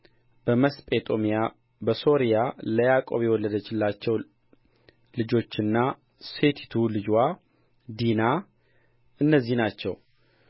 የወንዶች ልጆቹን ሴቶች ልጆች ዘሩንም ሁሉ ከእርሱ ጋር ወደ ግብፅ አስገባቸው ወደ ግብፅም የገቡት የእስራኤል ልጆች ስም ይህ ነው